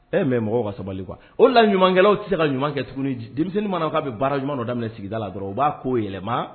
E mɛ mɔgɔ ka sabali kuwa o la ɲumankɛlaw tɛ se ka ɲuman kɛ tuguni denmisɛnnin mana k'a bɛ baarajuma dɔ daminɛ sigida la dɔrɔn u b'a koo yɛlɛma